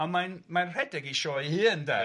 ond mae'n mae'n rhedeg ei sioe ei hun de... Ia..